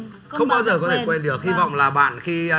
không bao giờ có thể quên được hy vọng là bạn khi